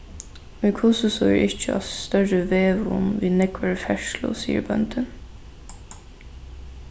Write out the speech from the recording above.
í hvussu so er ikki á størri vegum við nógvari ferðslu sigur bóndin